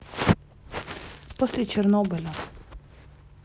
после чернобыля